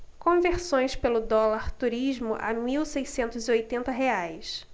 conversões pelo dólar turismo a mil seiscentos e oitenta reais